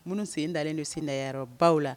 Minnu sen dalenlen don sendayɔrɔ yɔrɔ baw la